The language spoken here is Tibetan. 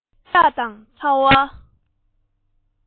དངངས སྐྲག དང ཚ བ